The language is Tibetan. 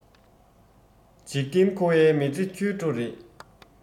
འཇིག རྟེན འཁོར བའི མི ཚེ འཁྱོལ འགྲོ རེད